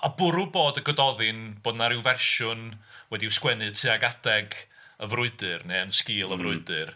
A bwrw bod y Gododdin, bod 'na ryw fersiwn wedi i'w sgwennu tuag adeg y frwydyr neu yn sgil... m-hm. ...y frwydyr.